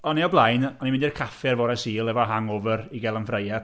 Oo'n i o'r blaen, o'n i'n mynd i'r caffi ar fore Sul efo hangover i gael yn fry up.